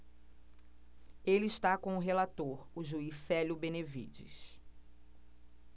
ele está com o relator o juiz célio benevides